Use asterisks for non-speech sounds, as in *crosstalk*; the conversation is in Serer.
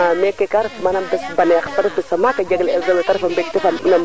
*unintelligible* a gara nga ne fasaɓa jega me i